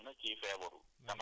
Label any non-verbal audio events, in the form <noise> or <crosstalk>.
<hesitation> <hesitation>